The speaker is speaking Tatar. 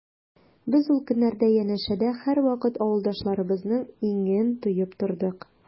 Без ул көннәрдә янәшәдә һәрвакыт авылдашларыбызның иңен тоеп тордык.